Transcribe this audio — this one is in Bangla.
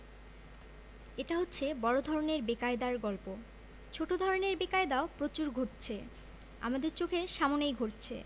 এটা হচ্ছে বড় ধরনের বেকায়দার গল্প ছোট ধরনের বেকায়দাও প্রচুর ঘটছে আমাদের চোখের সামনেই ঘটছে